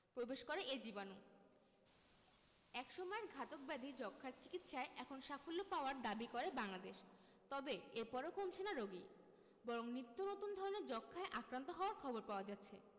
প্রবেশ করে এ জীবাণু একসময়ের ঘাতক ব্যাধি যক্ষ্মার চিকিৎসায় এখন সাফল্য পাওয়ার দাবি করে বাংলাদেশ তবে এরপরও কমছে না রোগী বরং নিত্যনতুন ধরনের যক্ষ্মায় আক্রান্ত হওয়ার খবর পাওয়া গেছে